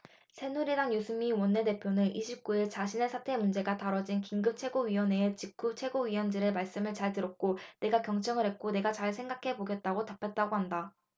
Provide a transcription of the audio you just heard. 새누리당 유승민 원내대표는 이십 구 일 자신의 사퇴 문제가 다뤄진 긴급 최고위원회의 직후 최고위원들의 말씀을 잘 들었고 내가 경청을 했고 내가 잘 생각해 보겠다고 답했다고 했다